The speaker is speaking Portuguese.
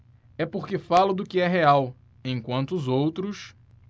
é porque falo do que é real enquanto os outros